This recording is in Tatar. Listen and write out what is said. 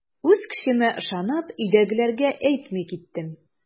Үз көчемә ышанып, өйдәгеләргә әйтми киттем.